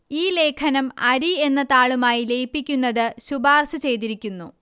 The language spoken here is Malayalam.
ഈ ലേഖനം അരി എന്ന താളുമായി ലയിപ്പിക്കുന്നത് ശുപാർശ ചെയ്തിരിക്കുന്നു